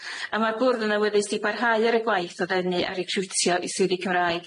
A ma'r bwrdd yn awyddus i barhau ar y gwaith o ddenu a recriwtio i swyddi Cymraeg.